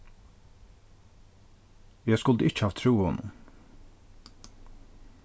eg skuldi ikki havt trúð honum